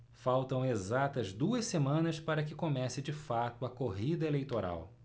faltam exatas duas semanas para que comece de fato a corrida eleitoral